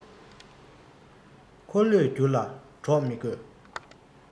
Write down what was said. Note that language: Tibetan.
འཁོར ལོས བསྒྱུར ལ གྲོགས མི དགོས